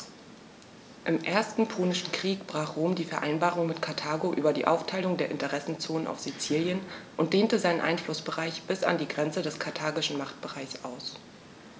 Im Ersten Punischen Krieg brach Rom die Vereinbarung mit Karthago über die Aufteilung der Interessenzonen auf Sizilien und dehnte seinen Einflussbereich bis an die Grenze des karthagischen Machtbereichs aus.